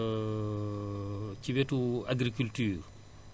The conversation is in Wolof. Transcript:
ci wetu agriculture